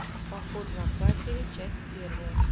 поход на катере часть первая